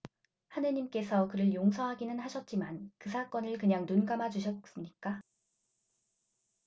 하느님께서 그를 용서하기는 하셨지만 그 사건을 그냥 눈감아 주셨습니까